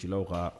Cilaw ka